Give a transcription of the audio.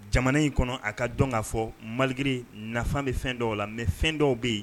Jamana in kɔnɔ a ka dɔn k'a fɔ malikiri nafa bɛ fɛn dɔw la mɛ fɛn dɔw bɛ yen